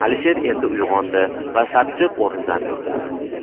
alisher endi uyg'ondi va sapchib o'rnidan turdi